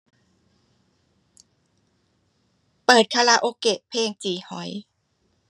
เปิดคาราโอเกะเพลงจี่หอย